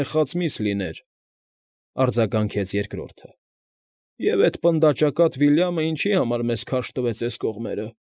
Նեխած միս լիներ,֊ արձագանքեց երկրորդը։ ֊ Եվ էդ պնդաճակատ Վիլյամը ինչի համար մեզ քարշ տվեց էս կողմերը։